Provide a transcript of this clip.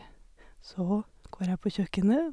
Så går jeg på kjøkkenet.